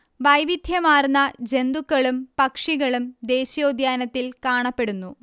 വൈവിധ്യമാർന്ന ജന്തുക്കളും പക്ഷികളും ദേശീയോദ്യാനത്തിൽ കാണപ്പെടുന്നു